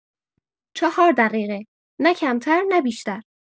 چهار دقیقه نه کمتر نه بیشتر.